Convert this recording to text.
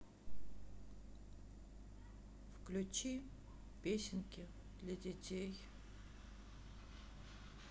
включи песенки для детей